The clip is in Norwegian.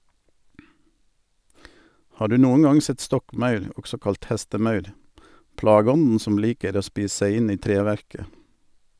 Har du noen gang sett stokkmaur, også kalt hestemaur, plageånden som liker å spise seg inn i treverket?